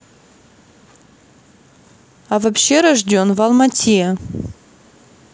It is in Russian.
а вообще рожден в алмате